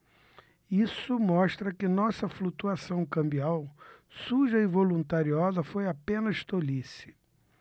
isso mostra que nossa flutuação cambial suja e voluntariosa foi apenas tolice